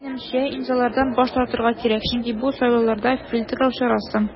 Минемчә, имзалардан баш тартырга кирәк, чөнки бу сайлауларда фильтрлау чарасы.